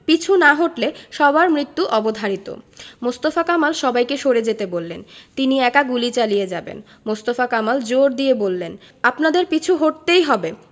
পিছু না হটলে সবার মৃত্যু অবধারিত মোস্তফা কামাল সবাইকে সরে যেতে বললেন তিনি একা গুলি চালিয়ে যাবেন মোস্তফা কামাল জোর দিয়ে বললেন আপনাদের পিছু হটতেই হবে